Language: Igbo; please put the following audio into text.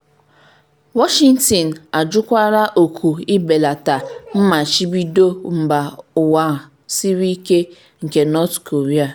Washington ajụkwala oku ibelata mmachibido mba ụwa a siri ike nke North Korea.